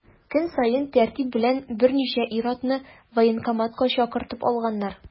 Көн саен тәртип белән берничә ир-атны военкоматка чакыртып алганнар.